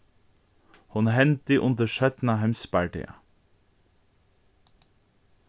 hon hendi undir seinna heimsbardaga